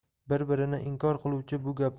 bir birini inkor qiluvchi bu